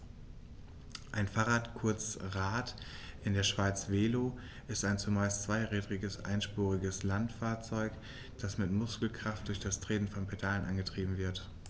Ein Fahrrad, kurz Rad, in der Schweiz Velo, ist ein zumeist zweirädriges einspuriges Landfahrzeug, das mit Muskelkraft durch das Treten von Pedalen angetrieben wird.